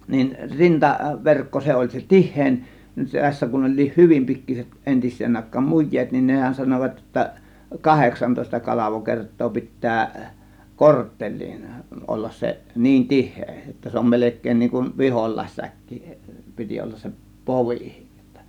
niin rintaverkko se oli se tihein se tässä kun olikin hyvin pikkuiset entiseen aikaan mujeet niin nehän sanoivat jotta kahdeksantoista kalvokertaa pitää kortteliin olla se niin tiheä jotta se on melkein niin kuin viholaissäkki piti olla se povi sitten